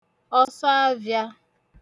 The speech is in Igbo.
ọsọavịā